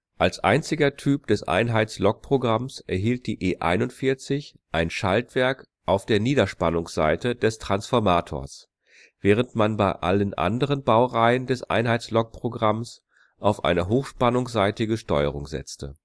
Als einziger Typ des Einheitslokprogramms erhielt die E 41 ein Schaltwerk auf der Niederspannungsseite des Transformators, während man bei allen anderen Baureihen des Einheitslokprogramms auf eine hochspannungsseitige Steuerung setzte